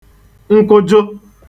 nkuju